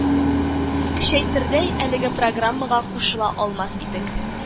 Көчәйтердәй әлеге программага кушыла алмас идек